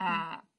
a